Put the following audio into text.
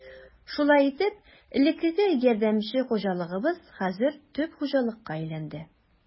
Шулай итеп, элеккеге ярдәмче хуҗалыгыбыз хәзер төп хуҗалыкка әйләнде.